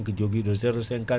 jooguiɗo 0.50